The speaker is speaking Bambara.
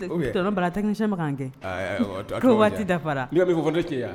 Ni ka kɛ waati dafa